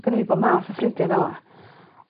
Gynno ni bob math o ffrindia fel 'a.